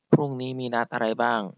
พรุ่งนี้มีนัดอะไรบ้าง